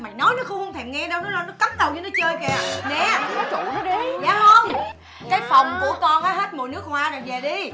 mày nói nó không thèm nghe đâu nó lo nó cắm đầu vô nó chơi kìa nè nghe không cái phòng của con hết mùi nước hoa rồi về đi